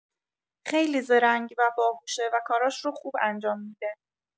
خیلی زرنگ و باهوشه و کاراش رو خوب انجام می‌ده